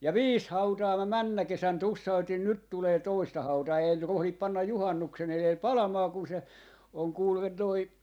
ja viisi hautaa minä mennä kesänä tussautin nyt tulee toista hautaa ei nyt rohdi panna juhannuksen edellä palamaan kun se on kuule tuo